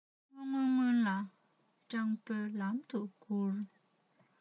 སྔོན སྔོན སྔོན ལ སྤྲང པོའི ལམ ཏུ སྐུར